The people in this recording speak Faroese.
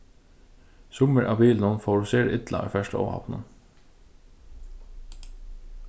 summir av bilunum fóru sera illa í ferðsluóhappinum